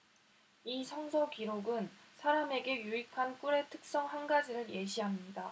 이 성서 기록은 사람에게 유익한 꿀의 특성 한 가지를 예시합니다